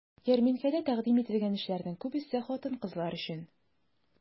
Ярминкәдә тәкъдим ителгән эшләрнең күбесе хатын-кызлар өчен.